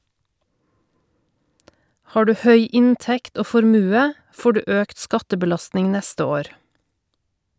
Har du høy inntekt og formue, får du økt skattebelastning neste år.